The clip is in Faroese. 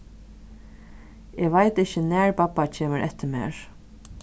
eg veit ikki nær babba kemur eftir mær